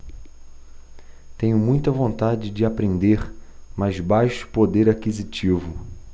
tenho muita vontade de aprender mas baixo poder aquisitivo